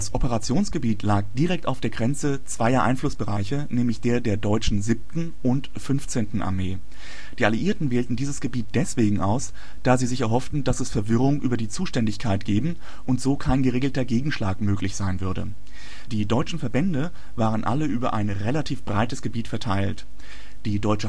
Operationsgebiet lag direkt auf der Grenze zweier Einflussbereiche, nämlich der der Deutschen 7. und 15. Armee. Die Alliierten wählten dieses Gebiet deswegen aus, da sie sich erhofften, dass es Verwirrung über die Zuständigkeit geben und so kein geregelter Gegenschlag möglich sein würde. Die deutschen Verbände waren alle über ein relativ breites Gebiet verteilt. Die deutsche Hauptstreitmacht